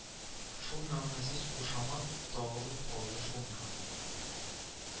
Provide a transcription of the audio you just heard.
Шул мәгънәсез кушамат тагылып калды шул миңа